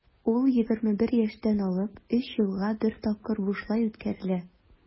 Ул 21 яшьтән алып 3 елга бер тапкыр бушлай үткәрелә.